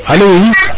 alo oui